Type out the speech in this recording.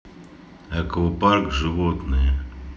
аквапарк животные